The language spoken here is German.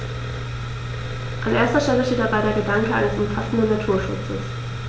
An erster Stelle steht dabei der Gedanke eines umfassenden Naturschutzes.